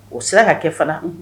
O sira ka kɛ fana